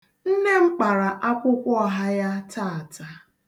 Nne m kpara akwụkwọ ọha ya taata.